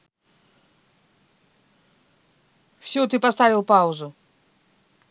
все ты поставил паузу